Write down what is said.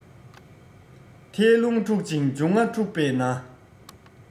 ཐད རླུང འཁྱུག ཅིང འབྱུང ལྔ འཁྲུགས པས ན